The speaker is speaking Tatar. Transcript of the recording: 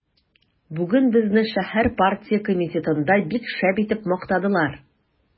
Бүген безне шәһәр партия комитетында бик шәп итеп мактадылар.